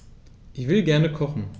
Ich will gerne kochen.